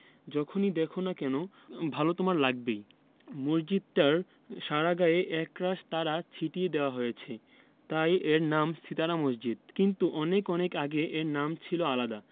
যখনি দ্যাখো না কেন ভালো তোমার লাগবেই মসজিদটার সারা গায়ে একরাশ তারা ছিটিয়ে দেয়া হয়েছে তাই এর নাম সিতারা মসজিদ কিন্তু অনেক অনেক আগে এর নাম ছিল আলাদা